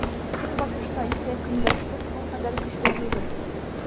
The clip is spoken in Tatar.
Көнбатышта исә көндәшлек ул кадәр көчле түгел.